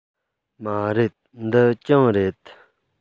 མ རེད འདི གྱང རེད